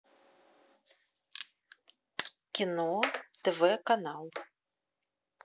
кино тв телеканал